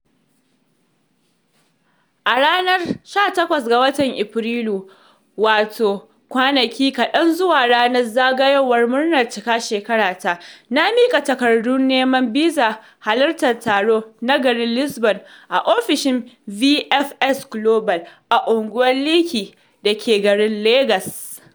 A ranar 18 ga watan Afrilu wato kwanaki kaɗan zuwa ranar zagayowar murnar cika shekara ta, na miƙa takardun neman bizar halartar taron na garin Lisbon a ofishin VFS Global a unguwar Lekki da ke garin Legas.